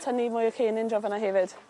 tynnu mwy o cenin jofynnau hefyd